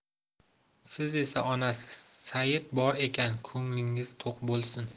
siz esa onasi seit bor ekan ko'nglingiz to'q bo'lsin